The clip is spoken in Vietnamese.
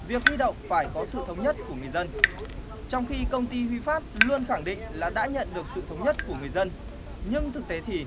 việc huy động phải có sự thống nhất của người dân trong khi công ty huy phát luôn khẳng định là đã nhận được sự thống nhất của người dân nhưng thực tế thì